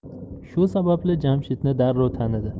shu sababli jamshidni darrov tanidi